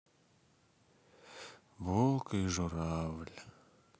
волк и журавль